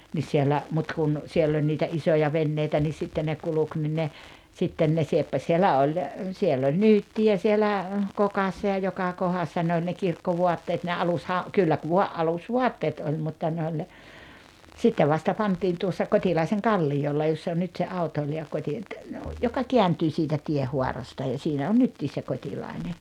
niin siellä mutta kun siellä oli niitä isoja veneitä niin sitten ne kulki niin ne sitten ne sieppasi siellä oli siellä oli nyyttiä siellä kokassa ja joka kohdassa ne oli ne kirkkovaatteet ne - kyllä kun vain alusvaatteet oli mutta ne oli ne sitten vasta pantiin tuossa Kotilaisen kalliolla jos on nyt se autoilija - joka kääntyy sitä tienhaarasta ja siinä on nytkin se Kotilainen